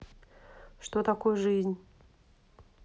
что такое жизнь